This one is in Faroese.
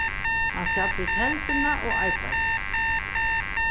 hann sat við telduna og arbeiddi